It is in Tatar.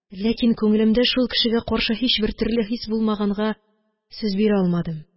Ләкин күңелемдә шул кешегә каршы һичбер төрле хис булмаганга, сүз бирә алмадым